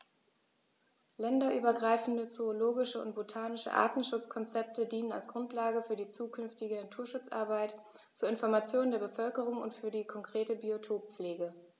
Länderübergreifende zoologische und botanische Artenschutzkonzepte dienen als Grundlage für die zukünftige Naturschutzarbeit, zur Information der Bevölkerung und für die konkrete Biotoppflege.